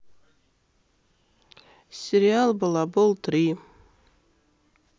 сериал балабол три